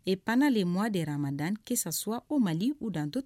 E panana le mɔ dera ma dankisɛs o mali u dantotu